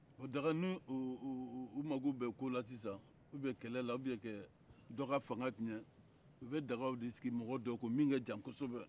bɔn daga ni o-o-o mago bɛ ko la sisan ubiɲɛ kɛlɛ la ubiɲɛ ka dɔ ka fanga tiɲɛ o bɛ taga de sigi mɔgɔ dɔ kun min ka jan kɔsɔbɛ